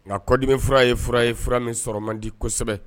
Nka kɔdimi fura ye fura ye fura min sɔrɔ man di kosɛbɛ